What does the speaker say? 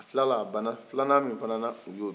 u tilala a banan filala min na u y'o dun